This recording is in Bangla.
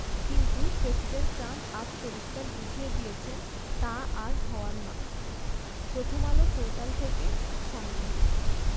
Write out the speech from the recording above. কিন্তু প্রেসিডেন্ট ট্রাম্প আজ পরিষ্কার বুঝিয়ে দিয়েছেন তা আর হওয়ার নয় প্রথমআলো পোর্টাল থেকে সংগৃহীত